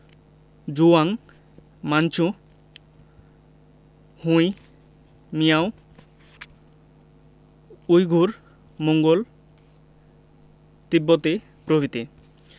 Zhuang Manchu Hui Miao Uyghur Mongol তিব্বতি প্রভৃতি